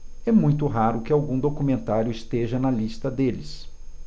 é muito raro que algum documentário esteja na lista deles